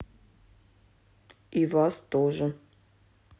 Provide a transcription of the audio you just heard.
и вас тоже